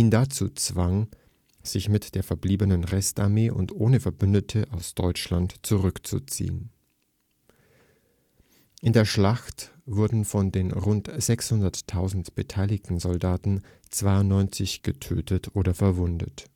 dazu zwang, sich mit der verbliebenen Restarmee und ohne Verbündete aus Deutschland zurückzuziehen. In der Schlacht wurden von den rund 600.000 beteiligten Soldaten 92.000 getötet oder verwundet